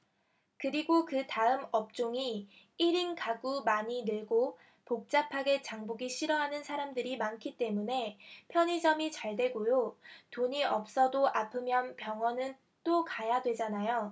그리고 그다음 업종이 일 인 가구 많이 늘고 복잡하게 장보기 싫어하는 사람들이 많기 때문에 편의점이 잘되고요 돈이 없어도 아프면 병원은 또 가야 되잖아요